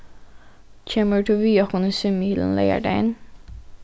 kemur tú við okkum í svimjihylin leygardagin